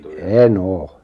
en ole